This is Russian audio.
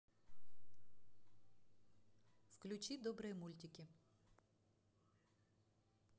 включи добрые мультики